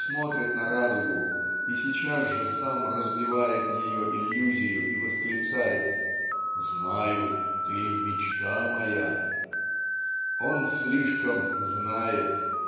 он смотрит на радугу и сейчас же сам разбивает ее иллюзию и восклицает "знаю, -- ты мечта моя". Он слишком знает.